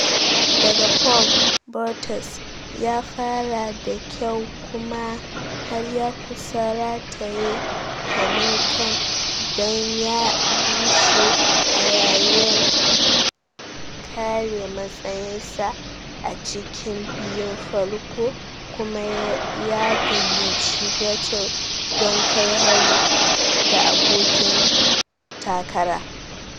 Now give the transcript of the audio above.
Daga pole, Bottas ya fara da kyau kuma har ya kusa rataye Hamilton don ya bushe a yayin kare matsayinsa a cikin biyun farko kuma ya gayyaci Vettel don kai hari ga abokin takara.